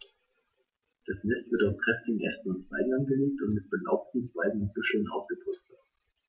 Das Nest wird aus kräftigen Ästen und Zweigen angelegt und mit belaubten Zweigen und Büscheln ausgepolstert.